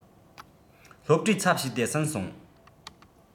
སློབ གྲྭའི ཚབ བྱས ཏེ ཟིན སོང